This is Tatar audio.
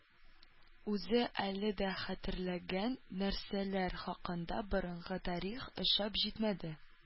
Үзе әле дә хәтерләгән нәрсәләр хакында борынгы тарих ошап җитмәде